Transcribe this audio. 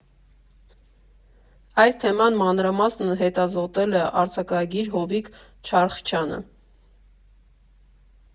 Այս թեման մանրամասն հետազոտել է արձակագիր Հովիկ Չարխչյանը։